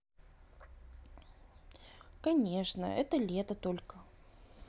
конечно это лето только